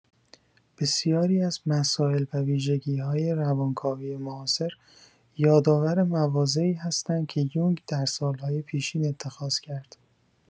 بسیاری از مسائل و ویژگی­های روانکاوی معاصر یادآور مواضعی هستند که یونگ در سال‌های پیشین اتخاذ کرد.